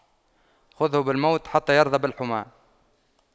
خُذْهُ بالموت حتى يرضى بالحُمَّى